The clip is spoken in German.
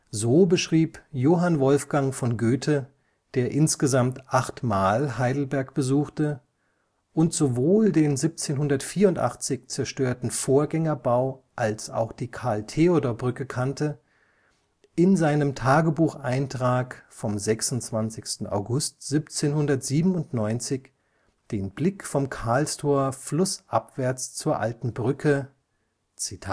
So beschrieb Johann Wolfgang von Goethe, der insgesamt achtmal Heidelberg besuchte, und sowohl den 1784 zerstörten Vorgängerbau als auch die Karl-Theodor-Brücke kannte, in seinem Tagebucheintrag von 26. August 1797 den Blick vom Karlstor flussabwärts zur Alten Brücke „ Die